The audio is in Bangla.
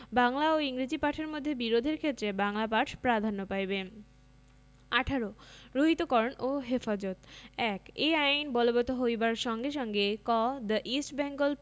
বাংলা ও ইংরেজী পাঠের মধ্যে বিরোধের ক্ষেত্রে বাংলা পাঠ প্রাধান্য পাইবে ১৮ রহিতকরণ ও হেফাজতঃ ১ এই আইন বলবৎ হইবার সংগে সংগেঃ ক দ্যা ইস্ট বেঙ্গল